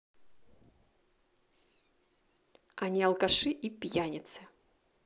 они алкаши и пьяницы